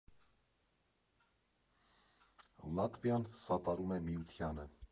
Լատվիան սատարում է Միությանը։